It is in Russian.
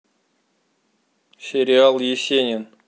сериал есенин